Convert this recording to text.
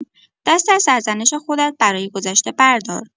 دست از سرزنش خودت برای گذشته بردار.